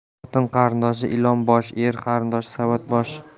xotin qarindoshi ilon boshi er qarindoshi savat boshi